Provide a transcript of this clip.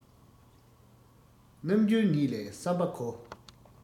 རྣམ འགྱུར ཉིད ལས བསམ པ གོ